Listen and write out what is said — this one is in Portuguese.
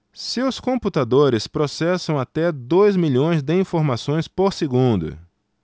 seus computadores processam até dois milhões de informações por segundo